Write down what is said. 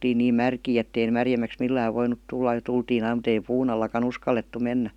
oltiin niin märkiä että ei märemmäksi millään voinut tulla ja tultiin aina mutta ei puun allakaan uskallettu mennä